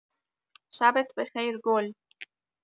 شبت بخیر گل